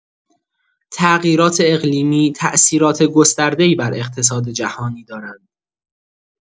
تغییرات اقلیمی تأثیرات گسترده‌ای بر اقتصاد جهانی دارند.